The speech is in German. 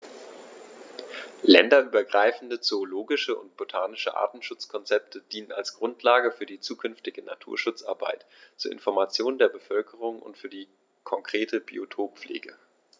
Länderübergreifende zoologische und botanische Artenschutzkonzepte dienen als Grundlage für die zukünftige Naturschutzarbeit, zur Information der Bevölkerung und für die konkrete Biotoppflege.